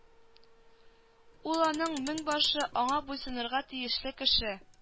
Ул аның меңбашы аңа буйсынырга тиешле кеше